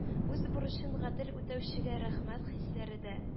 Үз бурычын гадел үтәүчегә рәхмәт хисләре дә